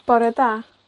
Bore da.